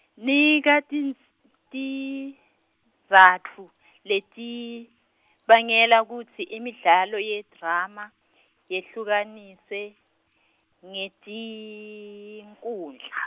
nika, tinz-, tizatfu , letibangela kutsi imidlalo yedrama, yehlukaniswe, ngetinkhundla.